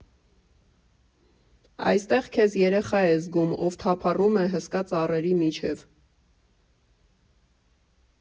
Այստեղ քեզ երեխա ես զգում, ով թափառում է հսկա ծառերի միջև։